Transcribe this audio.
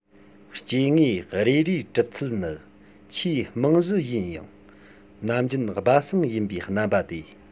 སྐྱེ དངོས རེ རེའི གྲུབ ཚུལ ནི ཆེས རྨང གཞི ཡིན ཡང ནམ རྒྱུན སྦ གསང ཡིན པའི རྣམ པ དེ